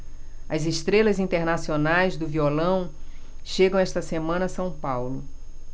as estrelas internacionais do violão chegam esta semana a são paulo